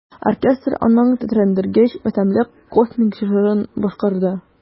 Оркестр аның тетрәндергеч матәмле космик җырын башкарды.